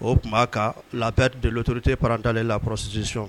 o tun b'a ka la delotourute paradle lapsicɔn